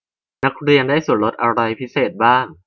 นักเรียนได้ส่วนลดอะไรพิเศษบ้าง